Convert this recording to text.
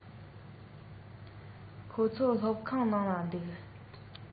ཁོ ཚོ སློབ ཁང ནང ལ འདུག